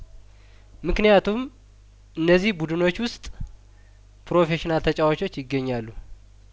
ምክንያቱም እነዚህ ቡድኖች ውስጥ ፕሮፌሽናል ተጫዋቾች ይገኛሉ